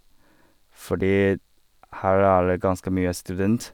Fordi her er det ganske mye student.